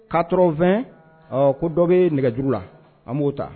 K kaa t2 ko dɔ bɛ nɛgɛjjugu la an b'o ta